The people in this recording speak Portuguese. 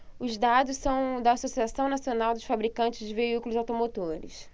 os dados são da anfavea associação nacional dos fabricantes de veículos automotores